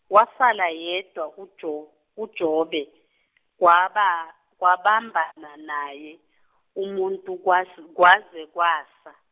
wasala yedwa uJo- uJobe, kwaba wabambana naye, umuntu kwaze kwaze kwasa.